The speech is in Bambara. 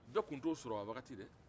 bɛɛ tun t'o sɔrɔ a waati dɛ